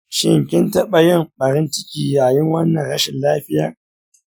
shin kin taɓa yin ɓarin ciki yayin wannan rashin lafiyar?